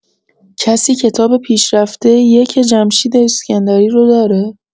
کسی کتاب پیشرفته یک جمشید اسکندری رو داره؟